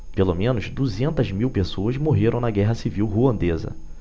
pelo menos duzentas mil pessoas morreram na guerra civil ruandesa